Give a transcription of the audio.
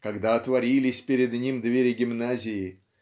когда отворились перед ним двери гимназии